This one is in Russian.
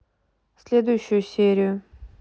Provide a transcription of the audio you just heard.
следующую серию